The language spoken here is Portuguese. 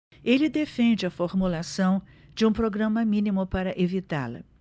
ele defende a formulação de um programa mínimo para evitá-la